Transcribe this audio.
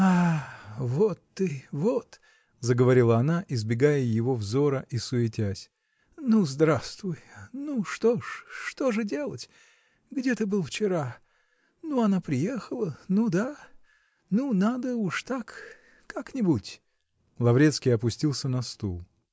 -- А, вот ты, вот, -- заговорила она, избегая его взора и суетясь, -- ну, здравствуй. Ну, что ж? Что же делать? Где ты был вчера? Ну, она приехала, ну да. Ну, надо уж так. как-нибудь. Лаврецкий опустился на стул.